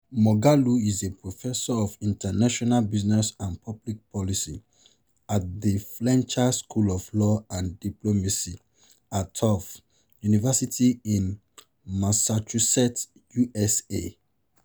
Moghalu is a professor of international business and public policy at the Fletcher School of Law and Diplomacy at Tufts University in Massachusetts, USA.